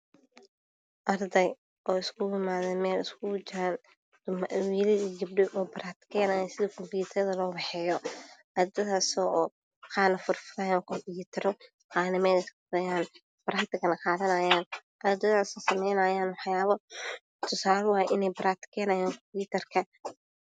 Arday oo iskugu imaday meel oo computer ku ceshanaayo